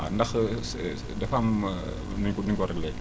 waaw ndax c' est dafa am nuñ ko nuñ ko réglé